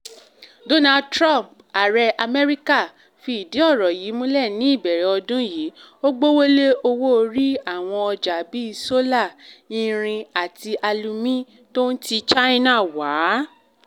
Donald Trump, Ààrẹ Amẹ́ríkà, fìdí ọ̀rọ̀ yí múlẹ̀ ní ìbẹ̀rẹ̀ ọdún yìí. Ó gbówó lé owó-orí àwọn ọjà bíi sólà, irin àti alumí t’ọ́n ti China wàá.